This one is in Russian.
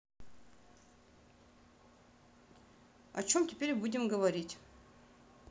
о чем теперь будем говорить